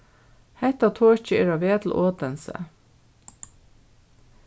hetta tokið er á veg til odense